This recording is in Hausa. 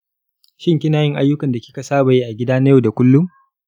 shin kinayin aiyukan da kika sabayi a gida na yau da kullum?